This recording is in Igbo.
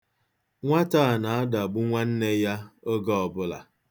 Nwata a na-adagbu nwanne ya oge ọbụla.